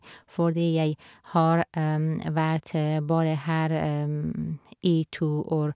Fordi jeg har vært bare her i to år.